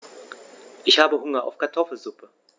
Ich habe Hunger auf Kartoffelsuppe.